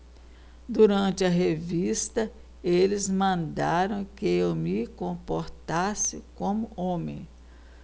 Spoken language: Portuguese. durante a revista eles mandaram que eu me comportasse como homem